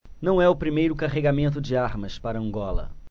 não é o primeiro carregamento de armas para angola